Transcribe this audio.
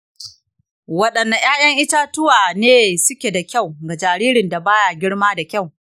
wadanne ‘ya’yan itatuwa ne suke da kyau ga jaririn da baya girma da kyau?